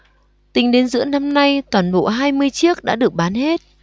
tính đến giữa năm nay toàn bộ hai mươi chiếc đã được bán hết